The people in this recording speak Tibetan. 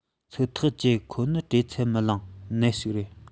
ཚིག ཐག བཅད ཁོ ནི བྲེལ འཚུབ མི ལངས ནད ཞིག རེད